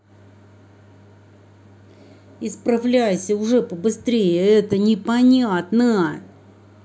исправляйся уже побыстрее это непонятно